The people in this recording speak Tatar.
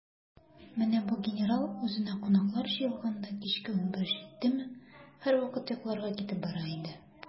Менә бу генерал, үзенә кунаклар җыелганда, кичке унбер җиттеме, һәрвакыт йокларга китеп бара иде.